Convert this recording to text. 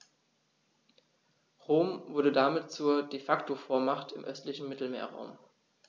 Rom wurde damit zur ‚De-Facto-Vormacht‘ im östlichen Mittelmeerraum.